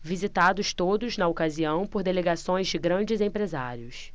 visitados todos na ocasião por delegações de grandes empresários